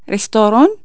ريسطورون